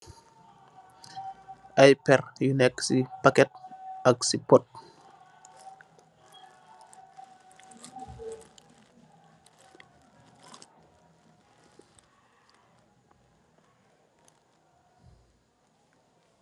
Ay pér yu neek si paketu ak si pot.